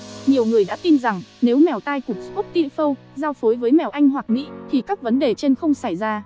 nhiều người đã tin rằng nếu mèo tai cụp scottish fold giao phối với mèo anh hoặc mỹ thì các vấn đề trên không xảy ra